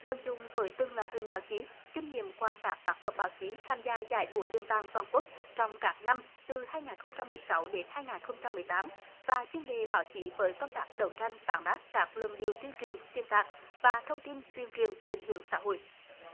vận dụng với từng loại hình báo chí kinh nghiệm qua các tác phẩm báo chí tham gia giải búa liềm vàng toàn quốc trong các năm từ hai ngàn không trăm mười sáu đến hai ngàn không trăm mười tám và chuyên đề báo chí với công tác đấu tranh phản bác các luận điệu tuyên truyền xuyên tạc và thông tin tuyên truyền định hướng xã hội